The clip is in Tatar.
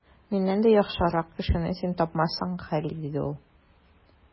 Миннән дә яхшырак кешене син тапмассың, Һарри, - диде ул.